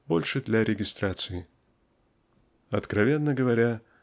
больше для регистрации Откровенно говоря